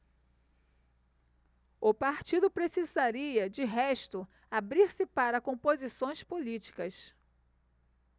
o partido precisaria de resto abrir-se para composições políticas